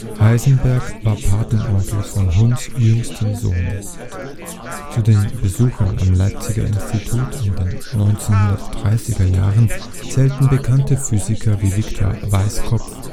Heisenberg war Patenonkel von Hunds jüngstem Sohn. Zu den Besuchern am Leipziger Institut in den 1930er Jahren zählen bekannte Physiker wie Victor Weisskopf